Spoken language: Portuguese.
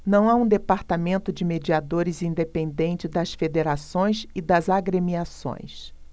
não há um departamento de mediadores independente das federações e das agremiações